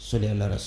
So nanara so